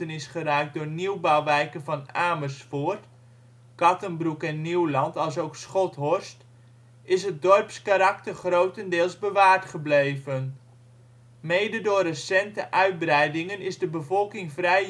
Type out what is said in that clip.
is geraakt door nieuwbouwwijken van Amersfoort (Kattenbroek en Nieuwland alsook Schothorst), is het dorpskarakter grotendeels bewaard gebleven. Mede door recente uitbreidingen is de bevolking vrij